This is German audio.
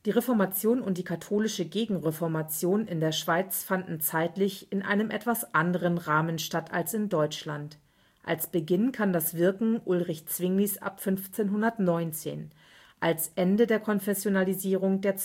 Reformation und die katholische Gegenreformation in der Schweiz fanden zeitlich in einem etwas anderen Rahmen statt als in Deutschland. Als Beginn kann das Wirken Ulrich Zwinglis ab 1519, als Ende der Konfessionalisierung der